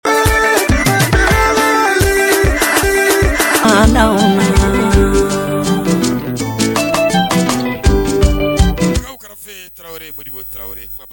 Tarawele tarawele